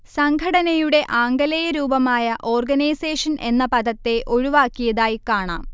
സംഘടനയുടെ ആംഗലേയ രൂപമായ ഓർഗനൈസേഷൻ എന്ന പദത്തെ ഒഴിവാക്കിയതായി കാണാം